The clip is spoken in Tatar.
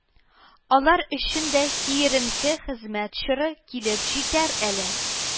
Алар өчен дә киеренке хезмәт чоры килеп җитәр әле